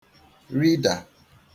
rida